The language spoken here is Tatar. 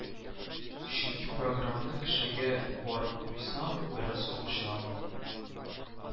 Чөнки програмны кешегә барып куйсам, бераз акча алам